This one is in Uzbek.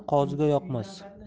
u qoziga yoqmas